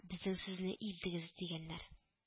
Безнең сүзне илтегез,— дигәннәр